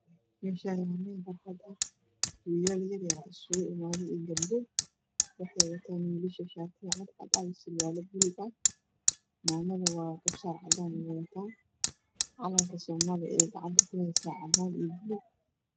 Meeshaan waa meel barxad ah wiilal yaryar ah ayaa iskugu imaaday iyo gabdho. waxa ay wataan wiilasha shaati yaal cadcad ah iyo surwaal buluug ah, maamadu garba saar cadaan ah ayay wadataa calanka soomaaliyana gacanta ayay ku heysaa oo cadaan iyo bulug ah.